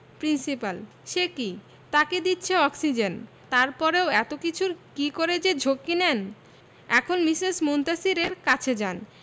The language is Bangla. প্রিন্সিপাল সে কি তাকে দিচ্ছে অক্সিজেন তারপরেও এত কিছুর কি করে যে ঝক্কি নেন এখন মিসেস মুনতাসীরের কাছে যান